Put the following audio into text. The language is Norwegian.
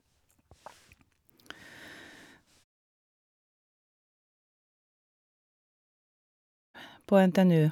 på NTNU.